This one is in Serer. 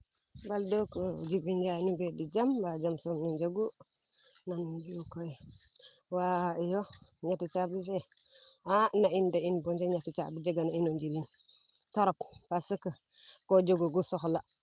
mbaldooko Djiby mbeede jam mba jam soom nu njegu nam nu mbi u koy wa iyo ñeti caabi fee a na in boog ñeti caabi jega na in o njiriñ trop parce que ko jegoogu soxla